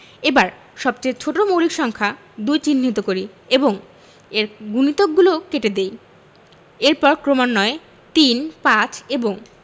এবার সবচেয়ে ছোট মৌলিক সংখ্যা ২ চিহ্নিত করি এবং এর গুণিতকগলো কেটে দেই এরপর ক্রমান্বয়ে ৩ ৫ এবং